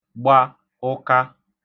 gba ụka